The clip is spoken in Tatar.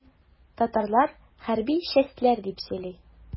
Татарлар хәрби чәстләр дип сөйли.